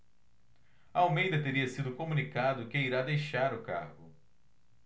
almeida teria sido comunicado que irá deixar o cargo